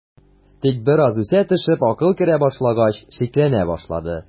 Тик бераз үсә төшеп акыл керә башлагач, шикләнә башлады.